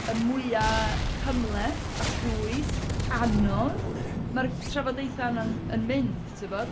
y mwya cymhleth a dwys ac anodd mae'r trafodaethau yna’n- yn mynd, tibod?